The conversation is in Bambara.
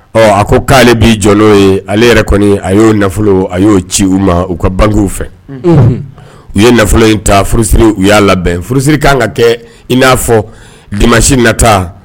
Ɔ a ko k'ale b bi jɔ'o ye ale yɛrɛ kɔni a y'o nafolo a y'o ci u ma u ka banw fɛ u ye nafolo in ta furusiri u y'a labɛn furusiri ka kan ka kɛ i n aa fɔ dimansi nata